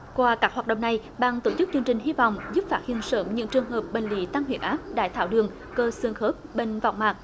qua các hoạt động này ban tổ chức chương trình hy vọng giúp phát hiện sớm những trường hợp bệnh lý tăng huyết áp đái tháo đường cơ xương khớp bệnh võng mạc